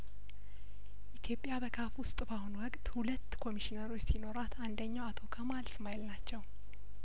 ኢትዮጵያ በካፍ ውስጥ በአሁን ወቅት ሁለት ኮሚሽነሮች ሲኖራት አንደኛው አቶ ከማል እስማኤል ናቸው